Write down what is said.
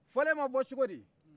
fɔlen ma bɔ cokodi